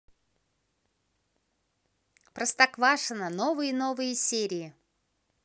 простоквашино новые новые серии